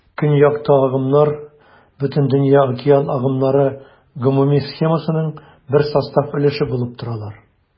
Көньякта агымнар Бөтендөнья океан агымнары гомуми схемасының бер состав өлеше булып торалар.